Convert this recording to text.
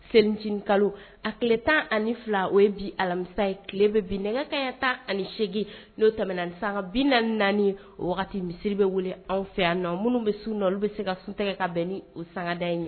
Selic kalo a tile tan ani fila o ye bi alamisa ye tile bɛ bi nɛgɛya tan ani8egin n'o tɛm san bi na naani wagati misiri bɛ wele anw fɛ yan nɔ minnu bɛ sun na olu bɛ se ka suntigɛ ka bɛn ni o sanda ɲɛ